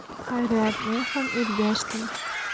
xayriyat men ham ergashdim